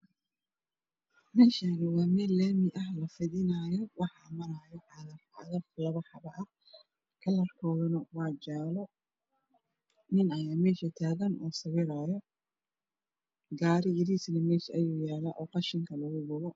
Meeshaani waa meel laami ah caro lagu kedinaayo waxaa maraayo cagaf cagaf kalarkoodu waa jaalo nin ayaa meesha taagan oo sawiraayo gaari yariis ayaa yaalo oo qashinka lagu kuraayo